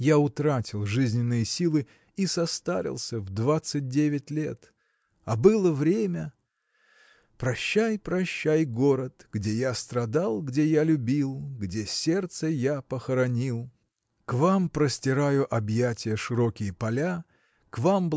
я утратил жизненные силы и состарился в двадцать девять лет а было время. Прощай прощай город Где я страдал где я любил Где сердце я похоронил. К вам простираю объятия широкие поля к вам